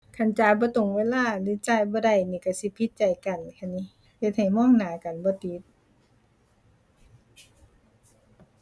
คันจ่ายบ่ตรงเวลาหรือจ่ายบ่ได้นี่ก็สิผิดใจกันหั้นหนิ เฮ็ดให้มองหน้ากันบ่ติด